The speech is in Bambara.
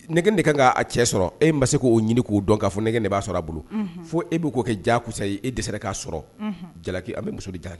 Ne de ka kan k'a cɛ sɔrɔ e ma se k'o ɲini k'u dɔn k'a fɔ ne de b'a sɔrɔ a bolo fo e' k'o kɛ ja kusa e dɛsɛse k'a sɔrɔ jalaki bɛ muso jalaki